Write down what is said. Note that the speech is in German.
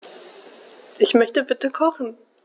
Ich möchte bitte kochen.